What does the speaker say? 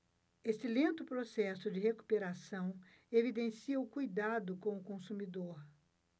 este lento processo de recuperação evidencia o cuidado com o consumidor